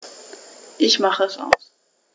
Ich mache es aus.